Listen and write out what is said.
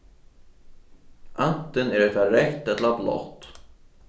antin er hetta reytt ella blátt